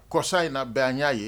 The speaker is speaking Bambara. Kɔsa in na bɛ an y'a ye